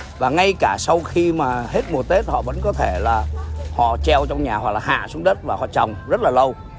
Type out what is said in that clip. và ngay cả sau khi mà hết mùa tết họ vẫn có thể là họ treo trong nhà hoặc là hạ xuống đất và trồng rất là lâu